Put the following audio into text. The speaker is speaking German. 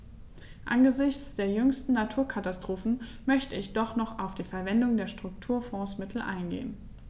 Angesichts der jüngsten Naturkatastrophen möchte ich doch noch auf die Verwendung der Strukturfondsmittel eingehen.